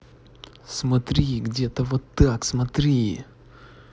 смотри где то вот так смотри